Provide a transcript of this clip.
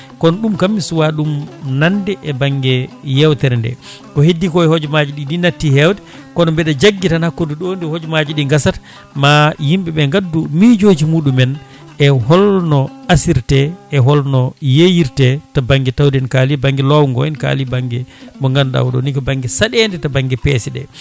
kono ɗum kam mi suwa ɗum nande e banggue yewtere nde ko heddi ko e hoojomaji ɗi ɗi natti hewde kono mbiɗa jaggui tan hakkude ɗo de hoojomaji ɗi gasata ma yimɓeɓe gaddu miijoji muɗumen e holno asirte e holno yeeyirte to banggue tawde en kaali banggue lowgo en kaali banggue mo ganduɗa oɗo ni ko banggue saɗede to banggue peese ɗe